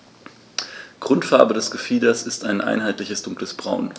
Grundfarbe des Gefieders ist ein einheitliches dunkles Braun.